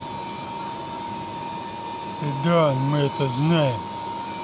ты даун мы это знаем